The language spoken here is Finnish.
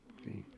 niin